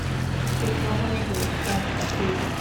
Cirka hundre tredve timer.